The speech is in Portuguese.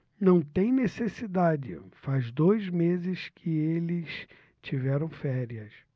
não tem necessidade faz dois meses que eles tiveram férias